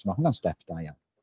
so mae hwnna'n step da iawn.